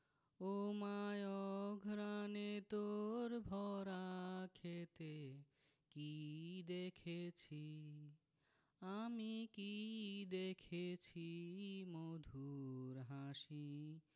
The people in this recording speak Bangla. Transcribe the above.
ওমা অঘ্রানে তোর ভরা ক্ষেতে কী দেখসি আমি কী দেখেছি মধুর হাসি